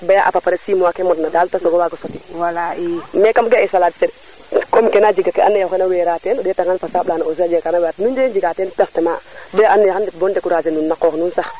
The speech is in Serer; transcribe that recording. wala i mais kam ge e salade fene comme a jega ka ando naye kena weera ten o ndeta ngan fasaɓ lana aussi o jeaga a kana fiya ten nu nde njega teen pertement bayo ando naye xan ndet bo decourager a no qoox nuun sax